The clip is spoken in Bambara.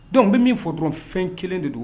Dɔnku n bɛ min fɔ dɔrɔn fɛn kelen de don